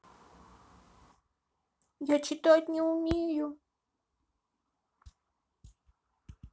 я читать не умею